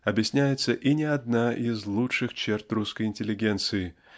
объясняется и не одна из лучших черт русской интеллигенции